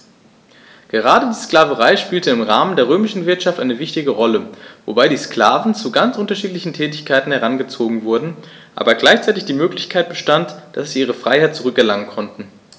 Gerade die Sklaverei spielte im Rahmen der römischen Wirtschaft eine wichtige Rolle, wobei die Sklaven zu ganz unterschiedlichen Tätigkeiten herangezogen wurden, aber gleichzeitig die Möglichkeit bestand, dass sie ihre Freiheit zurück erlangen konnten.